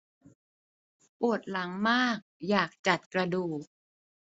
ปวดหลังมากอยากจัดกระดูก